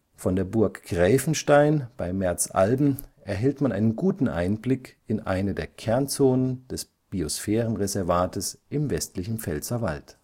Von der Burg Gräfenstein bei Merzalben erhält man einen guten Einblick in eine der Kernzonen des Biosphärenreservates im westlichen Pfälzerwald